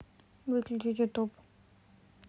выключить ютуб